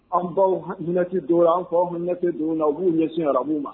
An baw minɛti don an baw aw minɛtɛ don na u b'u ɲɛsin aramu ma